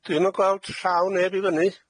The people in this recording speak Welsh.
Dwi'm yn gweld llaw neb i fyny.